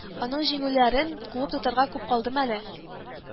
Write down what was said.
Аның җиңүләрен куып тотарга күп калдымы әле